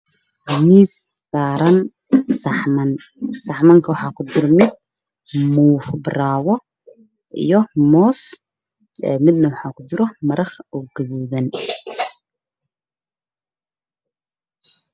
Waa miis ay saaran yihin saxmuun mid wax ku jiro moos iyo mid ku jiro maraq guduudan